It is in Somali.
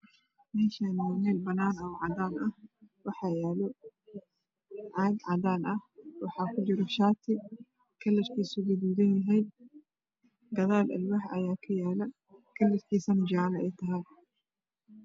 Meshani aaa meel banaan oo cadan ah waxaa yalo caag cadan ah waxaa ku jira shati misabkiisu gaduudan yahay gadal alwaax ayaa ka yala kalarkisana jale ey tahy